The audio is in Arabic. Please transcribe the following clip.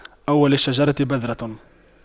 أول الشجرة بذرة